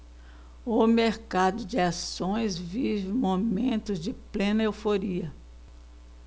o mercado de ações vive momentos de plena euforia